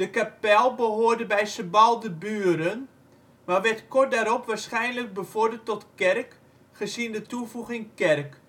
kapel behoorde bij Sebaldeburen, maar werd kort daarop waarschijnlijk bevorderd tot kerk, gezien de toevoeging '- kerk